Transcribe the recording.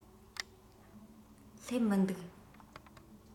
སླེབས མི འདུག